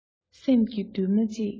སེམས ཀྱི མདུན མ གཅིག